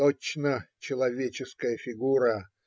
Точно человеческая фигура.